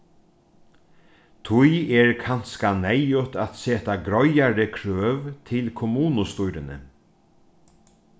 tí er kanska neyðugt at seta greiðari krøv til kommunustýrini